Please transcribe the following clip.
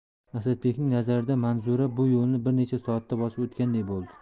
asadbekning nazarida manzura bu yo'lni bir necha soatda bosib o'tganday bo'ldi